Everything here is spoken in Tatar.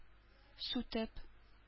Сүтеп